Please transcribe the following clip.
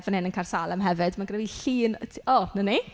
Fan hyn yn Caer Salem hefyd. Mae gyda fi llun y tu- o 'na ni!